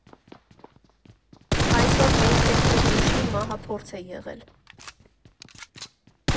Այսօր Բեյքերի և Բուշի մահափորձ է եղել։